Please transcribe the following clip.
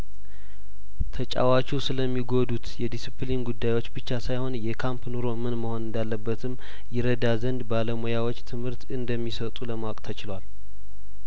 ተጫዋቹ ስለሚ ጐዱት የዲሲፕሊን ጉዳዮች ብቻ ሳይሆን የካምፕ ኑሮምን መሆን እንዳለበትም ይረዳ ዘንድ ባለሙያዎች ትምህርት እንደሚሰጡ ለማወቅ ተችሏል